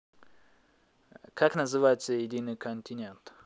как назывался единый континент